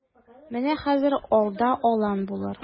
Менә хәзер алда алан булыр.